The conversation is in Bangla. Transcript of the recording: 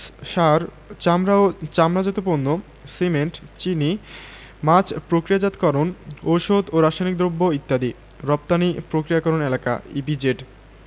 সার চামড়া ও চামড়াজাত পণ্য সিমেন্ট চিনি মাছ প্রক্রিয়াজাতকরণ ঔষধ ও রাসায়নিক দ্রব্য ইত্যাদি রপ্তানি প্রক্রিয়াকরণ এলাকাঃ ইপিজেড